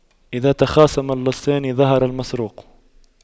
إذا تخاصم اللصان ظهر المسروق